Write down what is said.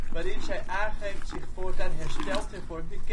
waarin zij aangeeft zich voortaan Hersteld Hervormde